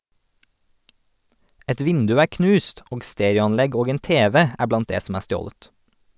Et vindu er knust, og stereoanlegg og en tv er blant det som er stjålet.